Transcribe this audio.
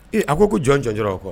Ee a ko ko jɔn jɔndi kuwa